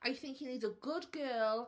I think he needs a good girl.